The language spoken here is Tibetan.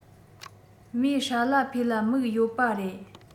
མོས ཧྲ ལ ཕོས ལ དམིགས ཡོད པ རེད